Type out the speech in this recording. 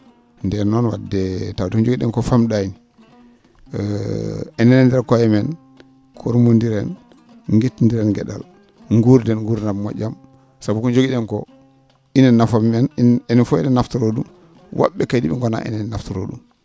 nden noon wadde tawde ko jogii ?en ko fam?aani enen e koye men kormodiren gittonndiren gue?al gurden gurdam mo??am sabu ko jogii ?en ko ina nafamen enen fo e?en naftoro ?um wo??e kadi ?e gonaa enen ene naftoro ?um